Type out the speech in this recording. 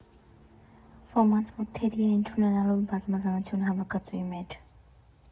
Ոմանց մոտ թերի էին՝ չունենալով բազմազանություն հավաքածուի մեջ։